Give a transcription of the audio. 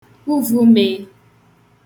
uvùmeē